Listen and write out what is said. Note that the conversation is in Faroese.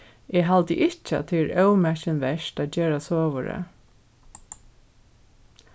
eg haldi ikki at tað er ómakin vert at gera sovorðið